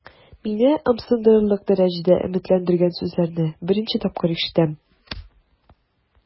Мине ымсындырырлык дәрәҗәдә өметләндергән сүзләрне беренче тапкыр ишетәм.